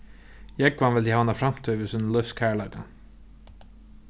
jógvan vildi hava eina framtíð við sínum lívs kærleika